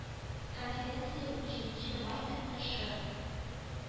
Конференция унҗиденче май көнне Шы